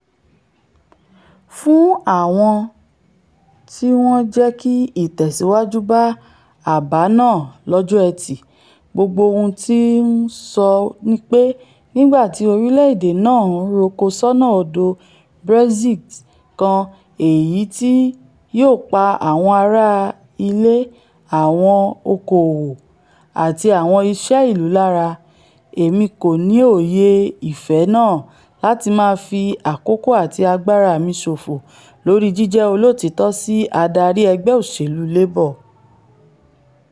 Fún àwọn tíwọn jẹ́kí ìtẹ̀síwájú bá àbá náà lọ́jọ́ Ẹtì, gbogbo ohun ti N ó sọ nipé nígbà tí orílẹ̀-èdè náà ńroko sọ́nà ọ̀dọ̀ Brexit kan èyití yóò pa àwọn ara-ilé, àwọn oko-òwò, àti àwọn iṣé ìlú lára, Èmi kòní òye ìfẹ́ náà láti máa fi àkókò àti agbára mi ṣofo lórí jíjẹ́ olóòtítọ́ si adarí ẹgbẹ́ òṣèlú Labour.